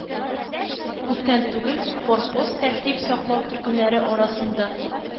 Күптән түгел «форпост» тәртип саклау төркемнәре арасында